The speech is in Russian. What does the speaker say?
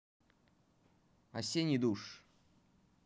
осенний душ